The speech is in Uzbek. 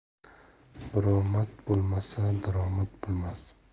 buromad bo'lmasa daromad bo'lmas